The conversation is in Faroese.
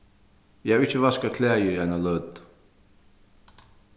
eg havi ikki vaskað klæðir í eina løtu